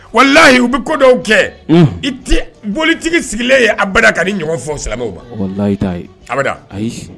Walahi u bɛ ko dɔw kɛ; un ; i tɛ bolitigi sigilen ye abada ka ni ɲɔgɔn fɔ silamɛw ma. Walahi, i t'a ye; Abada; Ayi.